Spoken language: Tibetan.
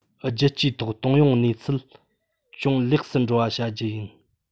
རྒྱལ སྤྱིའི ཐོག གཏོང ཡོང གནས ཚུལ ཅུང ལེགས སུ འགྲོ བ བྱ རྒྱུ ཡིན